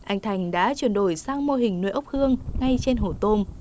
anh thành đã chuyển đổi sang mô hình nuôi ốc hương ngay trên hồ tôm